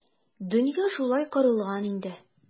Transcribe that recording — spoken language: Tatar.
Дөнья шулай корылган инде.